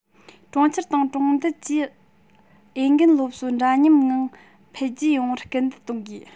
གྲོང ཁྱེར དང གྲོང རྡལ གྱི འོས འགན སློབ གསོ འདྲ མཉམ ངང འཕེལ རྒྱས ཡོང བར སྐུལ འདེད གཏོང དགོས